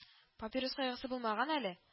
– папирос кайгысы булмаган әле